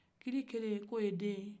kili kelen k'o ye den ye